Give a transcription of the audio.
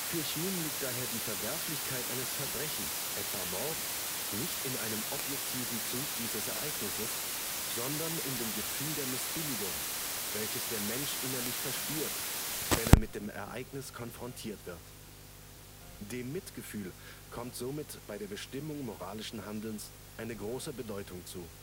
Hume liegt daher die Verwerflichkeit eines Verbrechens, etwa Mord, nicht in einem objektiven Zug dieses Ereignisses, sondern in dem Gefühl der Missbilligung, welches der Mensch innerlich verspürt, wenn er mit dem Ereignis konfrontiert wird. Dem Mitgefühl kommt somit bei der Bestimmung moralischen Handelns eine große Bedeutung zu